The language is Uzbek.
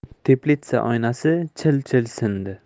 teplitsa oynasi chil chil sindi